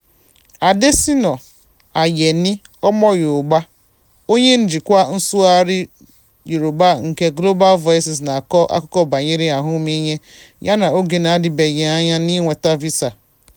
Adéṣínà Ayeni (Ọmọ Yoòbá), onye njikwa nsụgharị Yoruba nke Global Voices, na-akọ akụkọ banyere ahụmịịhe ya n'oge na-adịbeghị anya n'ịnweta visa ịga Lisbon, Portugal, maka Nzukọ Creative Commons nke 2019: